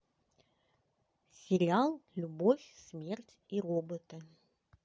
сериал любовь смерть и роботы